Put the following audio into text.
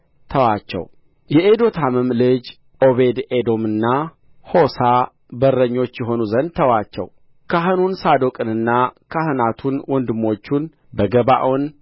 ተዋቸው የኤዶታምም ልጅ ዖቤድኤዶምና ሖሳ በረኞች ይሆኑ ዘንድ ተዋቸው ካህኑም ሳዶቅንና ካህናቱን ወንድሞቹን በገባዖን